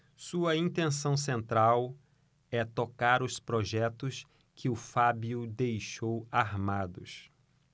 sua intenção central é tocar os projetos que o fábio deixou armados